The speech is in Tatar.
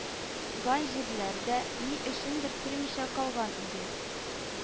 Гән җирләр дә ни өчендер кермичә калган иде